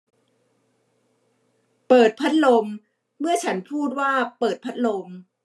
เปิดพัดลมเมื่อฉันพูดว่าเปิดพัดลม